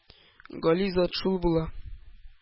Гали зат шул була...